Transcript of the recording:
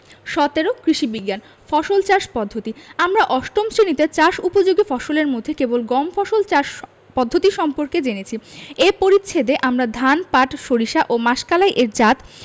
১৭ কৃষি বিজ্ঞান ফসল চাষ পদ্ধতি আমরা অষ্টম শ্রেণিতে চাষ উপযোগী ফসলের মধ্যে কেবল গম ফসল চাষ পদ্ধতি সম্পর্কে জেনেছি এ পরিচ্ছেদে আমরা ধান পাট সরিষা ও মাসকলাই এর জাত